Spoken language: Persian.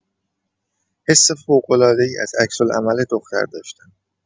حس فوق‌العاده ای از عکس‌العمل دختر داشتم.